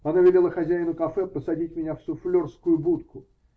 Она велела хозяину кафе посадить меня в суфлерскую будку.